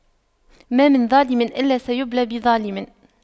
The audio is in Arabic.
ما من ظالم إلا سيبلى بظالم